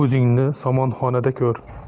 o'zingni somonxonada ko'r